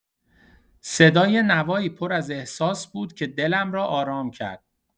صدای نوایی پر از احساس بود که دلم را آرام کرد.